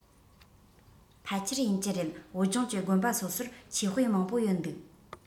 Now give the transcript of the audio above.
ཕལ ཆེར ཡིན གྱི རེད བོད ལྗོངས ཀྱི དགོན པ སོ སོར ཆོས དཔེ མང པོ ཡོད འདུག